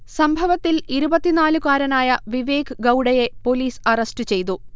സംഭവത്തിൽ ഇരുപത്തിനാല് കാരനായ വിവേക് ഗൌഡയെ പൊലീസ് അറസ്റ്റ് ചെയ്തു